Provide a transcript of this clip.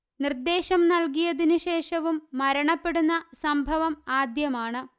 നിര്ദ്ദേശം നല്കിയതിനു ശേഷവും മരണപ്പെടുന്ന സംഭവം ആദ്യമാണ്